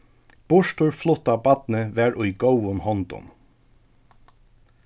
burturflutta barnið var í góðum hondum